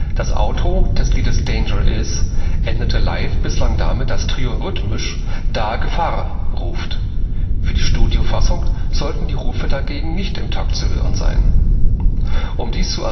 Das Outro des Liedes Danger Is endete live bislang damit, dass Trio rhythmisch „ Da Gefahr! “ruft. Für die Studio-Fassung sollten die Rufe dagegen nicht im Takt zu hören sein. Um dies zu erreichen